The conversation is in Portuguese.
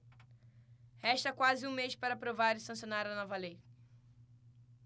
resta quase um mês para aprovar e sancionar a nova lei